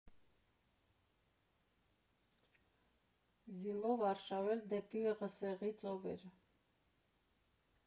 Զիլով արշավել դեպի Դսեղի ծովեր։